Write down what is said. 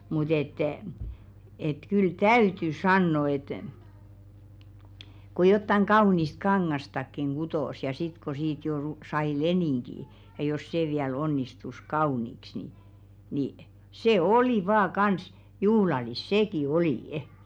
mutta että että kyllä täytyy sanoa että kun jotakin kaunista kangastakin kutoi ja sitten kun siitä jo - sai leningin ja jos se vielä onnistui kauniiksi niin niin se oli vain kanssa juhlallista sekin oli